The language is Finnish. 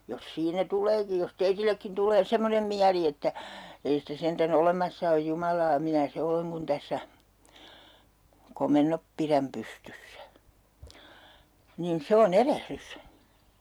jos siinä tuleekin jos teillekin tulee semmoinen mieli että ei sitä sentään olemassa ole Jumalaa minä se olen kun tässä komennot pidän pystyssä niin se on erehdys